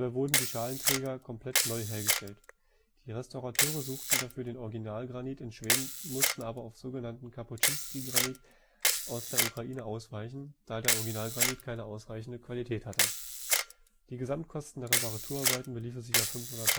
wurden die Schalenträger komplett neu hergestellt. Die Restaurateure suchten dafür den Originalgranit in Schweden, mussten aber auf sogenannten Cappucinski-Granit aus der Ukraine ausweichen, da der Originalgranit keine ausreichende Qualität hatte. Die Gesamtkosten der Reparaturarbeiten beliefen sich auf 500.000